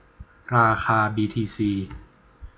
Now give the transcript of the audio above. ราคาบีทีซี